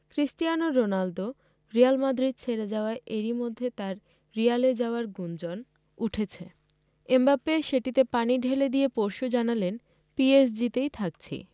Cristiano Ronaldo Real Madrid ছেড়ে যাওয়ায় এরই মধ্যে তাঁর রিয়ালে যাওয়ার গুঞ্জন উঠেছে এমবাপ্পে সেটিতে পানি ঢেলে দিয়ে পরশু জানালেন পিএসজিতেই থাকছি